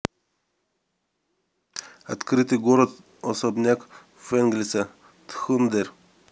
открытый город особняк фэнгельса thunder